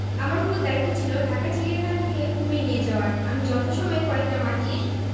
আমার উপর দায়িত্ব ছিল ঢাকা চিড়িয়াখানা থেকে কুমীর নিয়ে যাওয়ার আমি যথাসময়ে কয়েকটা মাটির